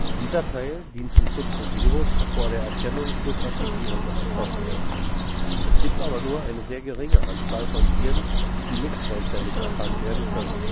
Dieser Teil dient zum Schutz des Virus vor der Erkennung durch Anti-Viren-Software. Es gibt aber nur eine sehr geringe Anzahl von Viren, die nicht vollständig erkannt werden können